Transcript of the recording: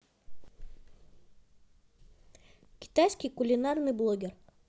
китайский кулинарный блогер